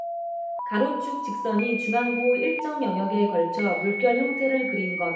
가로축 직선이 중앙부 일정 영역에 걸쳐 물결 형태를 그린 것